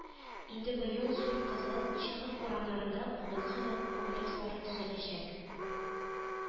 Инде быел Зур Кызыл, Чехов урамнарында кунакханә комплекслары төзеләчәк